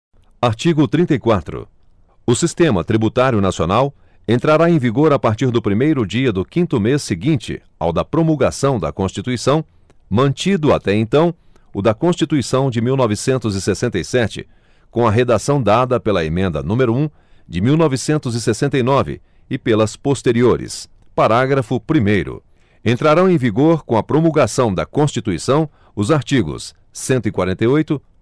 artigo trinta e quatro o sistema tributário nacional entrará em vigor a partir do primeiro dia do quinto mês seguinte ao da promulgação da constituição mantido até então o da constituição de mil e novecentos e sessenta e sete com a redação dada pela emenda número um de mil e novecentos e sessenta e nove e pelas posteriores parágrafo primeiro entrarão em vigor com a promulgação da constituição os artigos cento e quarenta e oito